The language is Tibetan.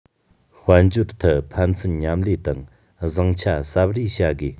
དཔལ འབྱོར ཐད ཕན ཚུན མཉམ ལས དང བཟང ཆ གསབ རེས བྱ དགོས